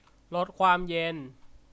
ลดความเย็น